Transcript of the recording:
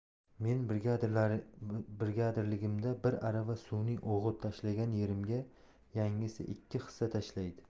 men brigadirligimda bir arava suniy o'g'it tashlagan yerimga yangisi ikki hissa tashlaydi